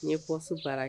Ne ko baara kɛ